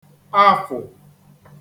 afụ̀